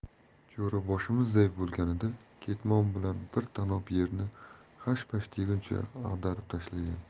jo'raboshimizday bo'lganida ketmon bilan bir tanob yerni hashpash deguncha ag'darib tashlagan